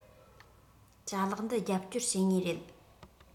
ཅ ལག འདི རྒྱབ སྐྱོར བྱེད ངེས རེད